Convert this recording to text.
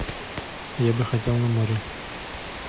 я бы хотел на море